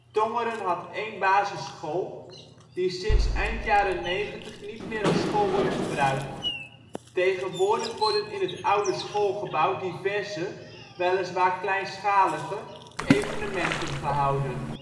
Tongeren had één basisschool die sinds eind jaren ' 90 niet meer als school wordt gebruikt. Tegenwoordig worden in het oude schoolgebouw diverse (weliswaar kleinschalige) evenementen gehouden